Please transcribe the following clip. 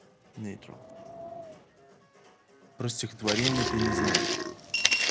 про стихотворение ты не знаешь